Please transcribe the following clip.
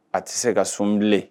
A tɛ se ka sun bilen